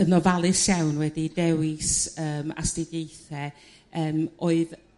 yn ofalus iawn wedi dewis yrm astudiaethe yrm oedd